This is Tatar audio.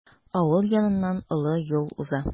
Авыл яныннан олы юл уза.